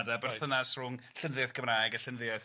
berthynas rhwng llenyddiaeth Cymraeg a llenyddiaeth